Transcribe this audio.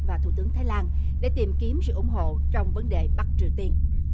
và thủ tướng thái lan để tìm kiếm sự ủng hộ trong vấn đề bắc triều tiên